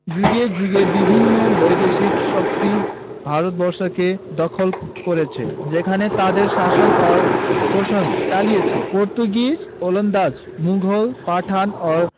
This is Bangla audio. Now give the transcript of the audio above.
যুগে যুগে বিভিন্ন বৈদেশিক শক্তি ভারতবর্ষকে দখল করেছে এখানে তাদের শাসন ও শোষণ চালিয়েছে পর্তুগিজ ওলন্দাজ মুঘল পাঠান ও